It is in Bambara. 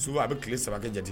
souvent a bi kile 3 kɛ jatigi